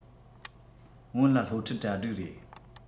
སྔོན ལ སློབ ཁྲིད གྲ སྒྲིག རེད